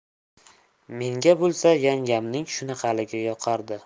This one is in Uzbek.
menga bo'lsa yangamning shunaqaligi yoqardi